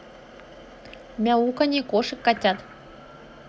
мяуканье кошек котят